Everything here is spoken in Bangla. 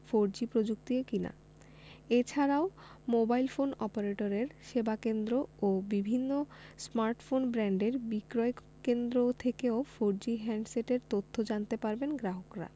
ফোরজি প্রযুক্তির কিনা এ ছাড়াও মোবাইল ফোন অপারেটরের সেবাকেন্দ্র ও বিভিন্ন স্মার্টফোন ব্র্যান্ডের বিক্রয়কেন্দ্র থেকেও ফোরজি হ্যান্ডসেটের তথ্য জানতে পারবেন গ্রাহকরা